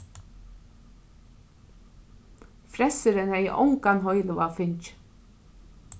fressurin hevði ongan heilivág fingið